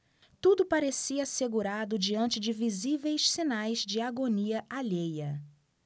tudo parecia assegurado diante de visíveis sinais de agonia alheia